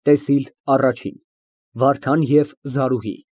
ՏԵՍԻԼ ԱՌԱՋԻՆ ՎԱՐԴԱՆ ԵՎ ԶԱՐՈՒՀԻ։